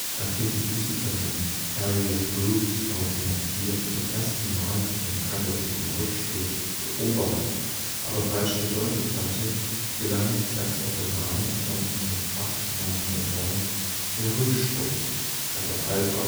Nachdem die Physikerin Harriet Brooks 1904 zum ersten Mal den radioaktiven Rückstoß beobachtet, aber falsch gedeutet hatte, gelang es erst Otto Hahn 1908 / 09, den Rückstoß bei der